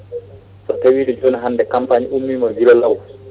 so tawino joni hande campagne ummima guila law